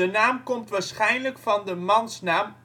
naam komt waarschijnlijk van de mansnaam